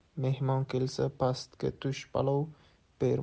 mehmon kelsa pastga tush